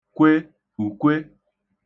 kwe ùkwe